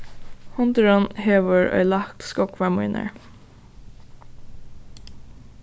hundurin hevur oyðilagt skógvar mínar